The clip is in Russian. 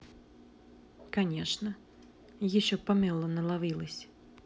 конечно еще помело наловилась